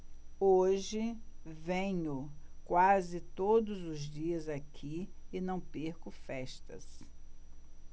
hoje venho quase todos os dias aqui e não perco festas